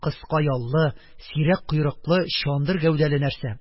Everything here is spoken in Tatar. Кыска яллы, сирәк койрыклы, чандыр гәүдәле нәрсә.